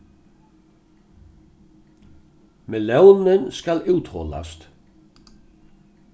melónin skal útholast